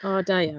O, da iawn.